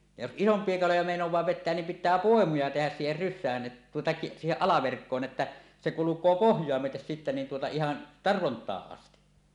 ja jos isompia kaloja meinaa vetää niin pitää poimuja tehdä siihen rysään että tuota - siihen alaverkkoon että se kulkee pohjaa myöten sitten niin tuota ihan tarvontaan asti